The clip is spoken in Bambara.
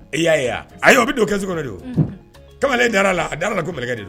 E y'a wa a ye o bɛ don kɛsi kɔnɔ don kamalen da la a d da ko morikɛ de do